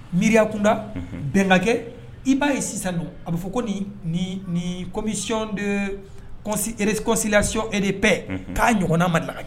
Miiriya kunda bɛnkankɛ i'a ye sisan don a bɛ fɔ ko nin komicɔn de kɔsilacɔn e dep k'a ɲɔgɔnna mali la